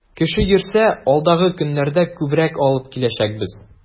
Кеше йөрсә, алдагы көннәрдә күбрәк алып киләчәкбез.